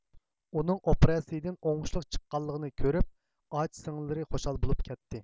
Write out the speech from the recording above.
ئۇنىڭ ئوپراتسىيىدىن ئوڭۇشلۇق چىققانلىقىنى كۆرۇپ ئاچا سىڭىللىرى خۇشال بولۇپ كەتتى